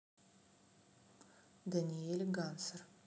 даниэль гансер